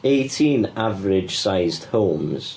Eighteen average sized homes.